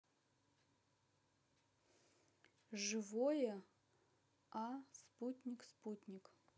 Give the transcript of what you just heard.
живое а спутник спутник